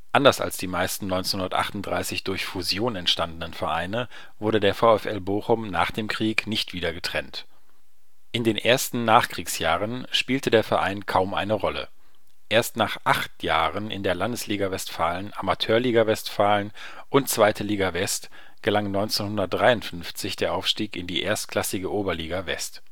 Anders als die meisten 1938 durch Fusion entstandenen Vereine, wurde der VfL Bochum nach dem Krieg nicht wieder getrennt. In den ersten Nachkriegsjahren spielte der Verein kaum eine Rolle. Erst nach acht Jahren in der Landesliga Westfalen, Amateurliga Westfalen und 2. Liga West gelang 1953 der Aufstieg in die erstklassige Oberliga West